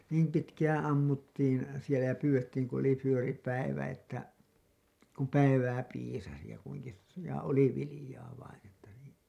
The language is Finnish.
niin pitkään ammuttiin siellä ja pyydettiin kun oli vyöri päivä että kun päivää piisasi ja kunkin ja oli viljaa vain että niin